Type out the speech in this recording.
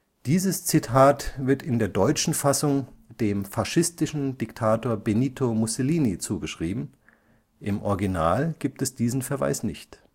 Dieses Zitat wird in der deutschen Fassung dem faschistischen Diktator Benito Mussolini zugeschrieben. Im Original gibt es diesen Verweis nicht